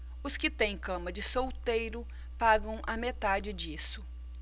os que têm cama de solteiro pagam a metade disso